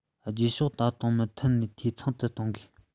རྗེས སུ ད དུང མུ མཐུད ནས འཐུས ཚང དུ གཏོང དགོས